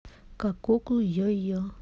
как куклу йо йо